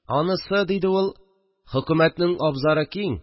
– анысы, – диде ул, – хөкүмәтнең абзары киң